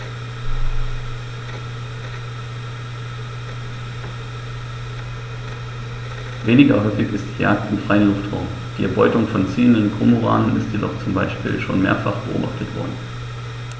Weniger häufig ist die Jagd im freien Luftraum; die Erbeutung von ziehenden Kormoranen ist jedoch zum Beispiel schon mehrfach beobachtet worden.